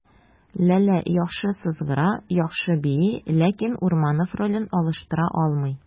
Ләлә яхшы сызгыра, яхшы бии, ләкин Урманов ролен алыштыра алмый.